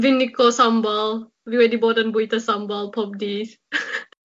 Fi'n lico sambal. Fi wedi bod yn bwyta sambal pob dydd.